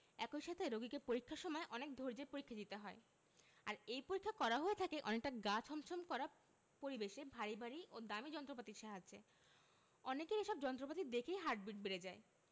একই সাথে রোগীকে পরীক্ষার সময় অনেক ধৈর্য্যের পরীক্ষা দিতে হয় আর এই পরীক্ষা করা হয়ে থাকে অনেকটা গা ছমছম করা পরিবেশে ভারী ভারী ও দামি যন্ত্রপাতির সাহায্যে অনেকের এসব যন্ত্রপাতি দেখেই হার্টবিট বেড়ে যায়